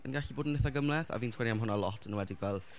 yn gallu bod yn eitha gymhleth a fi'n sgwennu am hwnna lot. Yn enwedig fel...